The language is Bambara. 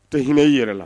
Tɛ hinɛ i yɛrɛ la